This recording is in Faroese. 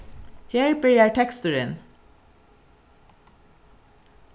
her byrjar teksturin